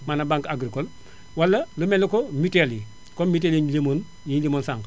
maanaam banque agricole wala lu mel ne que mutuelle yi comme mutuelle yi ñu limoon yi mutuelle :frau limoon sànq